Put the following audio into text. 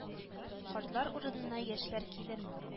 Картлар урынына яшьләр килерме